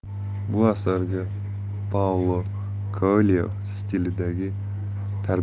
bu asarga paulo koelyo stilidagi tarbiyaviy